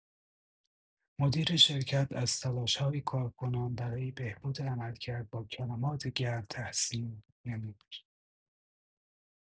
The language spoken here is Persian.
مدیر شرکت از تلاش‌های کارکنان برای بهبود عملکرد، با کلمات گرم تحسین نمود.